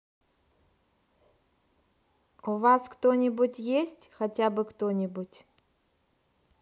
у вас кто нибудь есть хотя бы кто нибудь